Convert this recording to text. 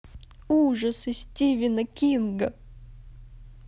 ужасы стивена кинга